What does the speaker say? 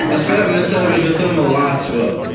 A sbio mae o'n sefyll wrth yml art fo.